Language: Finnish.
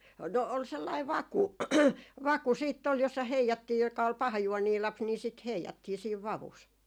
no oli sellainen vaku vaku sitten oli jossa heijattiin joka oli pahajuoninen lapsi niin sitä heijattiin siinä vavussa